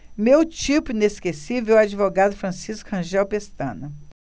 meu tipo inesquecível é o advogado francisco rangel pestana